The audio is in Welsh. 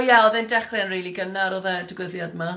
o ie oedd e'n dechrau'n rili gynnar oedd e digwyddiad 'ma.